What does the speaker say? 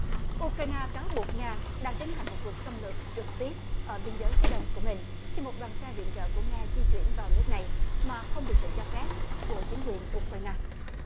u cờ rai na cáo buộc nga đang tiến hành một cuộc xâm lược trực tiếp ở biên giới phía đông của mình khi một đoàn xe viện trợ của nga di chuyển vào nước này mà không được sự cho phép của chính quyền u cờ rai na